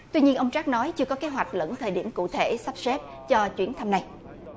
tuy nhiên ông trác nói chưa có kế hoạch lẫn thời điểm cụ thể sắp xếp cho chuyến thăm này